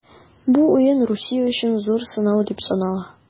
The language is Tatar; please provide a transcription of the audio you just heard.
Бу уен Русия өчен зур сынау дип санала.